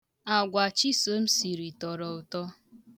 Agwa Chisom siri tọrọ ụtọ.